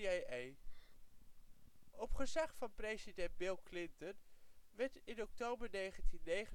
1]. Op gezag van president Bill Clinton werden in october 1999 zo 'n 1100